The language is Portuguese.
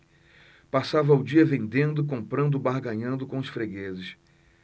passava o dia vendendo comprando barganhando com os fregueses